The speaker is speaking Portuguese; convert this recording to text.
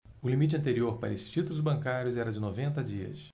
o limite anterior para estes títulos bancários era de noventa dias